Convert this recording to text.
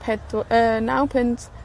pedw- yy naw punt